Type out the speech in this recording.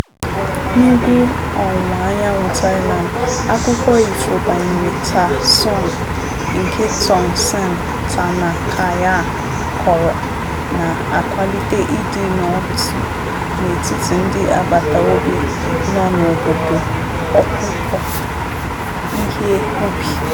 N'ugwu ọwụwa anyanwụ Thailand, akụkọ ifo banyere Ta Sorn nke Tongsin Tanakaya kọrọ na-akwalite ịdị n'otu n'etiti ndị agbata obi nọ n'obodo ọkụkọ ihe ubi.